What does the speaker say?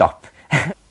...stop.